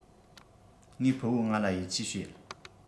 ངའི ཕུ བོ ང ལ ཡིད ཆེས བྱེད